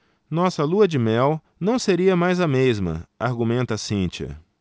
nossa lua-de-mel não seria mais a mesma argumenta cíntia